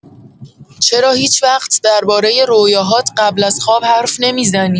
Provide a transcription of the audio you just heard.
چرا هیچ‌وقت درباره رویاهات قبل از خواب حرف نمی‌زنی؟